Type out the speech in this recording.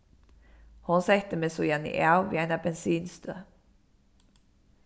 hon setti meg síðani av við eina bensinstøð